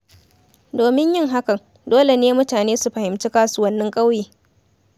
Domin yin hakan, dole ne mutane su fahimci kasuwannin ƙauye.